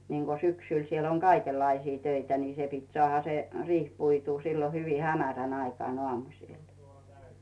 niin kuin syksyllä siellä on kaikenlaisia töitä niin se piti saada se riihi puitua silloin hyvin hämärän aikaan aamusilla